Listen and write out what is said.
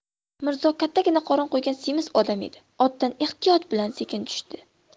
mirzo kattagina qorin qo'ygan semiz odam edi otdan ehtiyot bilan sekin tushdi